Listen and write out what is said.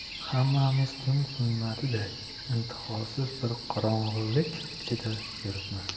hammamiz tun zulmatiday intihosiz bir qorong'ilik ichida yuribmiz